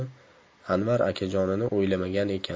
anvar akajonini o'ylam agan ekan